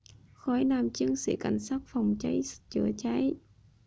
khối nam chiến sĩ cảnh sát phòng cháy chữa cháy